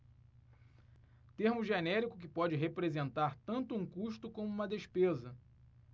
termo genérico que pode representar tanto um custo como uma despesa